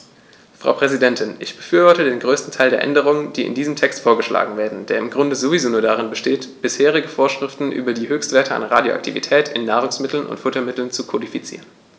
Frau Präsidentin, ich befürworte den größten Teil der Änderungen, die in diesem Text vorgeschlagen werden, der im Grunde sowieso nur darin besteht, bisherige Vorschriften über die Höchstwerte an Radioaktivität in Nahrungsmitteln und Futtermitteln zu kodifizieren.